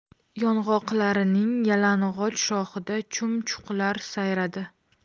yong'oqlarning yalang'och shoxida chum chuqlar sayradi